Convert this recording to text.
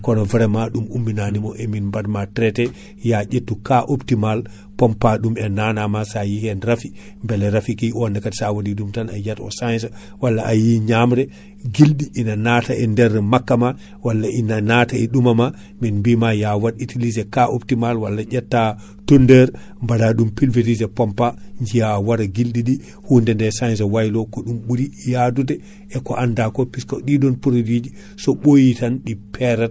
kono vraiment ɗum ummina nimo emin batma traité ya ƴettu cas optimale pompa ɗum e nana ma sa yi hen rafi bele rafi ki on ne kaadi sa waɗi ɗum tan a yiyat o singea walla a yi ñamre guilɗi ina nata e nder makka ma walla ina nata e ɗuma ma min bima ya watt utilisé cas optimale walla ƴetta tondeur baɗa ɗum pulvériser pompa jiyaa wara guilɗiɗi ,hundende singea waylo ko ɗum ɓuri yadude e ko anda ko puisque ɗivon produit ji so ɓoyi tan ɗi perat